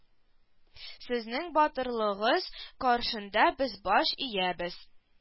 Сезнең батырлыгыгыз каршында без баш иябез